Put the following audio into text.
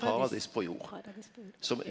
paradis paradis på jord.